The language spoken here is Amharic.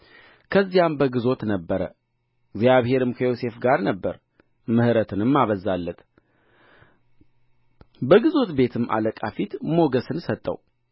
እግዚአብሔርም ከዮሴፍ ጋር ነበረ ምሕረትንም አበዛለት በግዞት ቤቱም አለቃ ፊት ሞገስን ሰጠው